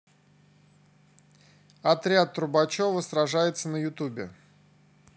отряд трубачева сражается на ютубе